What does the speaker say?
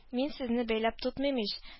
Мин сезне бәйләп тотмыйм ич